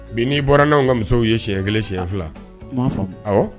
Bi n'i bɔra n'anw ka musow ye siɲɛ kelen siɲɛ fila ɔ